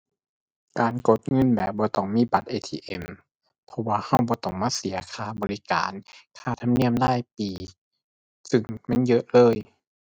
การกดเงินแบบบ่ต้องมีบัตร ATM เพราะว่าเราบ่ต้องมาเสียค่าบริการ ค่าธรรมเนียมรายปี ซึ่งมันเยอะเลย